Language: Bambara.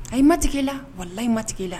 Ahi ma tigɛ i la walahi ma tigɛ i la